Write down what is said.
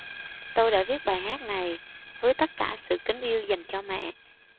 tôi đã viết bài hát này với tất cả sự kính yêu dành cho mẹ